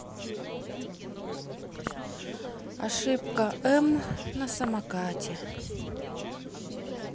ошибка м на самокате